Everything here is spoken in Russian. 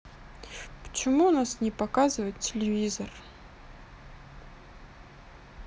почему у нас не показывает телевизор